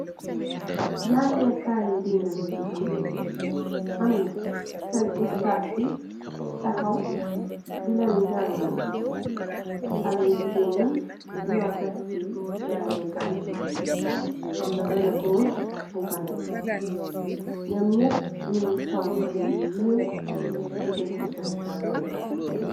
Jàngee kaay diina islam am seen ustas bi taxaw di leen jàngal. Xale yi jigéen yi ñyoo fees ci jàngeekaay bi. Amna bena góor bu fa nekka. ñyoom ñyepp ñi ngi sol solu yu yéiw di dekklu seen jàngalekat bi.